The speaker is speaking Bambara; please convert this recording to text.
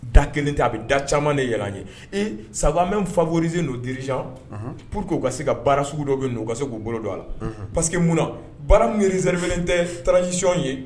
Da kelen tɛ a bɛ da caman de yɛlɛ an ye e ça va même favoriser nos dirigeants pour que u ka se ka baara sugu dɔ bɛ yen nɔ u ka se k'u bolo don a la, unhyun parce que mun na, baara min réservé tɛ transition ye